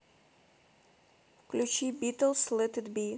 включи битлз лет ит би